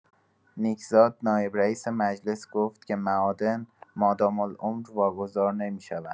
نیکزاد نایب‌رئیس مجلس گفت که معادن مادام‌العمر واگذار نمی‌شوند.